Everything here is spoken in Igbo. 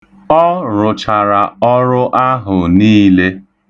Ọ rụchara ọrụ ahụ niile.